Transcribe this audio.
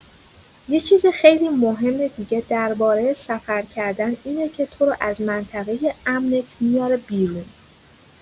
یه چیز خیلی مهم دیگه درباره سفر کردن اینه که تو رو از منطقه امنت میاره بیرون.